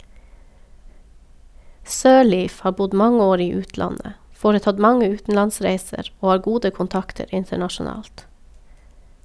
Sirleaf har bodd mange år i utlandet, foretatt mange utenlandsreiser og har gode kontakter internasjonalt.